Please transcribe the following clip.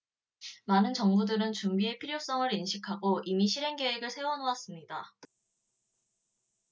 많은 정부들은 준비의 필요성을 인식하고 이미 실행 계획을 세워 놓았습니다